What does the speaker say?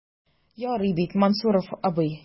Ярый бит, Мансуров абый?